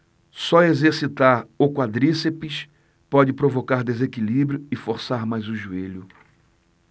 só exercitar o quadríceps pode provocar desequilíbrio e forçar mais o joelho